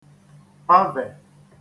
pavè